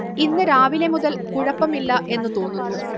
ഇന്ന് രാവിലെ മുതൽ കുഴപ്പമില്ല എന്ന് തോന്നുന്നു